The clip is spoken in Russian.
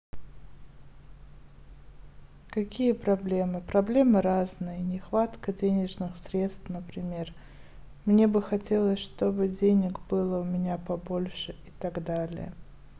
какие проблемы проблемы разные нехватка денежных средств например мне бы хотелось бы чтобы денег было у меня побольше и так далее